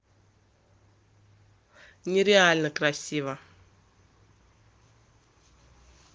нереально красиво